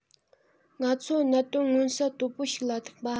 ང ཚོ གནད དོན མངོན གསལ དོད པོ ཞིག ལ ཐུག པ